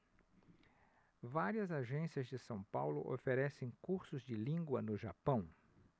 várias agências de são paulo oferecem cursos de língua no japão